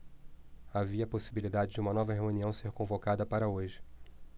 havia possibilidade de uma nova reunião ser convocada para hoje